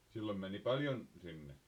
silloin meni paljon sinne